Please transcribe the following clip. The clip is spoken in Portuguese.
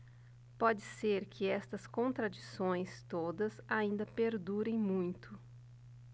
pode ser que estas contradições todas ainda perdurem muito